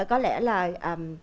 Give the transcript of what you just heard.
có lẽ lời ầm